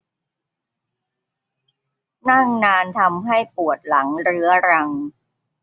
นั่งนานทำให้ปวดหลังเรื้อรัง